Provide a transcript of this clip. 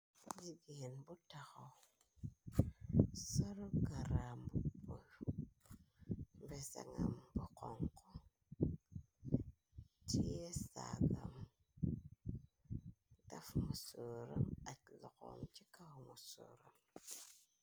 Xale jigeen bu taxo sorogarambubo rezangam bu xonku tiesagam daf mu souram ac loxoom ci kaw mu sooram.